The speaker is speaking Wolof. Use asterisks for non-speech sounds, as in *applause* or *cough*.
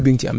*hesitation* *hesitation*